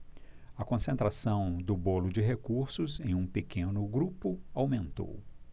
a concentração do bolo de recursos em um pequeno grupo aumentou